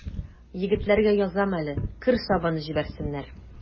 Егетләргә язам әле: кер сабыны җибәрсеннәр.